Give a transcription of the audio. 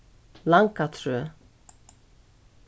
langatrøð